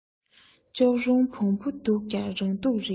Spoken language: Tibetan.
ལྕོག རོང བོང བུ སྡུག ཀྱང རང སྡུག རེད